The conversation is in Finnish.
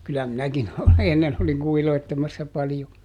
kyllä minäkin ennen olin kuhiloitsemassa paljon